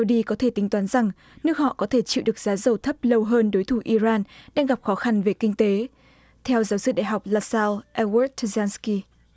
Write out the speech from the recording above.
đi có thể tính toán rằng nước họ có thể chịu được giá dầu thấp lâu hơn đối thủ i ran đang gặp khó khăn về kinh tế theo giáo sư đại học la sao e uốt đờ dan sờ ky